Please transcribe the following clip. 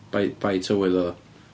Bai, bai tywydd oedd o.